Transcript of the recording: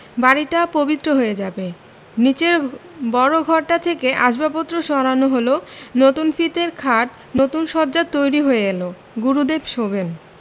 বাড়িটা পবিত্র হয়ে যাবে নীচের বড় ঘরটা থেকে আসবাবপত্র সরানো হলো নতুন ফিতের খাট নতুন শয্যা তৈরি হয়ে এলো গুরুদেব শোবেন